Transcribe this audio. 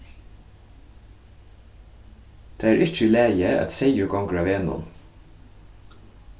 tað er ikki í lagi at seyður gongur á vegnum